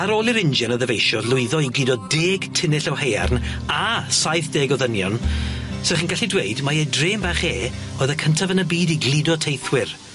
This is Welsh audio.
Ar ôl i'r injan a ddyfeisiodd lwyddo i gludo deg tunnell o haearn a saith deg o ddynion 'sych chi'n gallu dweud mai ei drên bach e oedd y cyntaf yn y byd i gludo teithwyr.